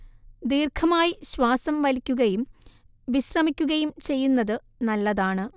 ദീർഘമായി ശ്വാസം വലിക്കുകയും വിശ്രമിക്കുകയും ചെയ്യുന്നത് നല്ലതാണ്